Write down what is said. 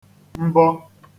mbọ